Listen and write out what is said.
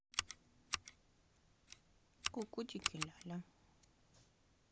кукутики ляля